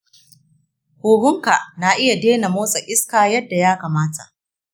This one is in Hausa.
huhunka na iya daina motsa iska yadda ya kamata.